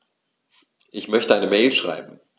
Ich möchte eine Mail schreiben.